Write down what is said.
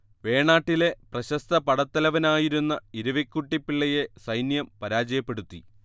വേണാട്ടിലെ പ്രശസ്ത പടത്തലവനായിരുന്ന ഇരവിക്കുട്ടിപ്പിള്ളയെ സൈന്യം പരാജയപ്പെടുത്തി